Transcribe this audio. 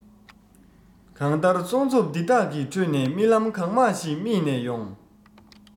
གང ལྟར གསུང རྩོམ འདི དག གི ཁྲོད ནས རྨི ལམ གང མང ཞིག རྨས ནས ཡོང